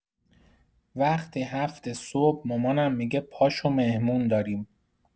وقتی هفت صبح مامانم می‌گه پاشو مهمون داریم